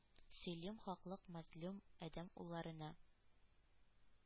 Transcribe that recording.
Сөйлим хаклык мазлум адәм улларына!